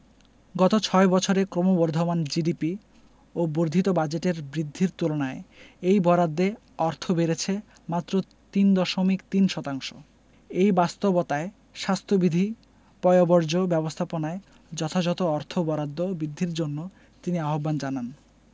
গত ছয় বছরে ক্রমবর্ধমান জিডিপি ও বর্ধিত বাজেটের বৃদ্ধির তুলনায় এই বরাদ্দে অর্থ বেড়েছে মাত্র তিন দশমিক তিন শতাংশ এই বাস্তবতায় স্বাস্থ্যবিধি পয়ঃবর্জ্য ব্যবস্থাপনায় যথাযথ অর্থ বরাদ্দ বৃদ্ধির জন্য তিনি আহ্বান জানান